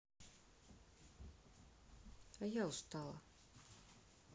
а я устала